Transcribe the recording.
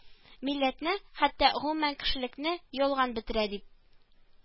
Милләтне, хәтта, гомумән, кешелекне ялган бетерә дип